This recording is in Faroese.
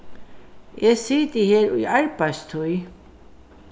eg siti her í arbeiðstíð